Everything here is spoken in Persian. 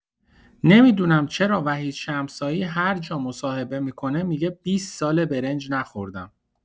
نمی‌دونم چرا وحید شمسایی هرجا مصاحبه می‌کنه می‌گه بیست ساله برنج نخوردم؟